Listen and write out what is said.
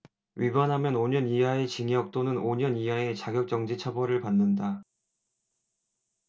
위반하면 오 년 이하의 징역 또는 오 년 이하의 자격정지 처벌을 받는다